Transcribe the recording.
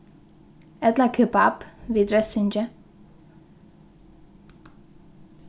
ella kebabb við dressingi